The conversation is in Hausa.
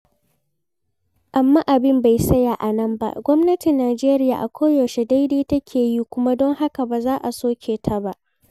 Amma abin bai tsaya a nan ba, gwamnatin Najeriya a koyaushe daidai take yi, kuma don haka ba za a soke ta ba.